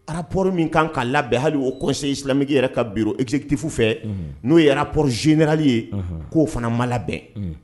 Araporo min kan ka labɛn hali oo kɔsɔn i silamɛmɛ yɛrɛ ka bi ezgtifu fɛ n'o ye yɛrɛp zeli ye k'o fana ma labɛn